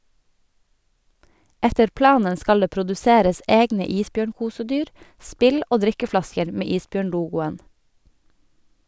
Etter planen skal det produseres egne isbjørnkosedyr, spill og drikkeflasker med isbjørnlogoen.